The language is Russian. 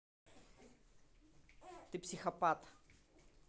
ты психопат